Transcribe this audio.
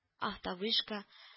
Автовышка